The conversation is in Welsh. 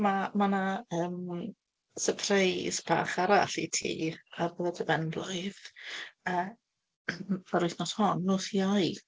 Ma' ma' 'na, yym, sypreis bach arall i ti ar gyfer dy ben-blwydd yy, yr wythnos hon, nos Iau.